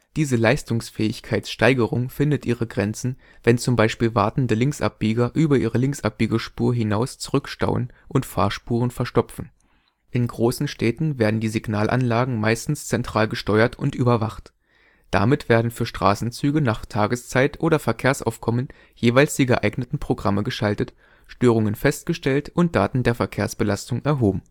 Diese Leistungsfähigkeitssteigerung findet ihre Grenzen, wenn z. B. wartende Linksabbieger über ihre Linksabbiegespur hinaus zurückstauen und Fahrspuren verstopfen. In großen Städten werden die Signalanlagen meistens zentral gesteuert und überwacht. Damit werden für Straßenzüge nach Tageszeit oder Verkehrsaufkommen jeweils die geeigneten Programme geschaltet, Störungen festgestellt und Daten der Verkehrsbelastung erhoben